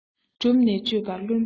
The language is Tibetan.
གྲུབ ནས དཔྱོད པ བླུན པོའི ཚུལ